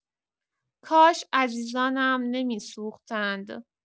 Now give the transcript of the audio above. کاش عزیزانم نمی‌سوختند.